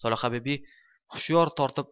solihabibi hushyor tortib